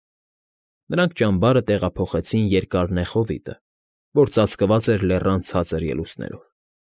Նրանք ճամբարը տեղափոխեցին երկար նեղ հովիտը, որ ծածկված էր լեռան ցածր ելուստներով։